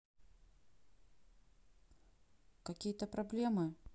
какие то проблемы